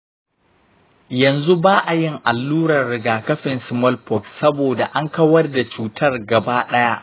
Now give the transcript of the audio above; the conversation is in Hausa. yanzu ba a yin allurar rigakafin smallpox saboda an kawar da cutar gaba ɗaya.